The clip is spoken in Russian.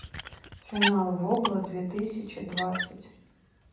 финал вобла две тысячи двадцать